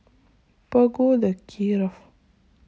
погода киров